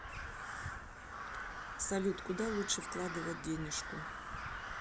салют куда лучше вкладывать денежку